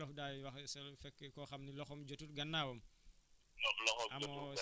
lu ñuy wax olof daal di wax c' est en fait koo xam ne loxoom jotul gànnaawam